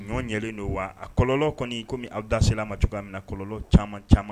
Ɲɔ ɲɛlen don wa a kɔlɔ kɔni kɔmi awdasela macogo minɛ kɔlɔlɔ caman caman